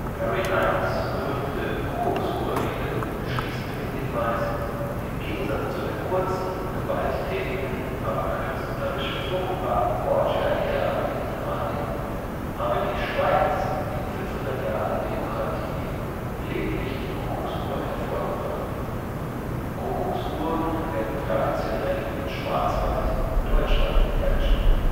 Harry Limes berühmte „ Kuckucksuhr-Rede “schließt mit dem Hinweis, im Gegensatz zu der kurzen, gewalttätigen, aber künstlerisch fruchtbaren Borgia-Ära in Italien habe die Schweiz in 500 Jahren Demokratie lediglich die Kuckucksuhr hervorgebracht. Kuckucksuhren werden traditionell im Schwarzwald, Deutschland, hergestellt